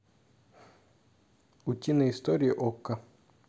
утиные истории окко